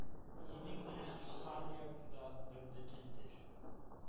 Синең менә һәрьягың да бербөтендер: